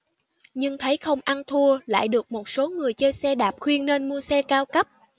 nhưng thấy không ăn thua lại được một số người chơi xe đạp khuyên nên mua xe cao cấp